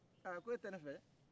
aa ko e tɛ ne fɛ